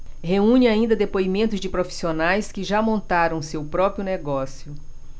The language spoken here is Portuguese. reúne ainda depoimentos de profissionais que já montaram seu próprio negócio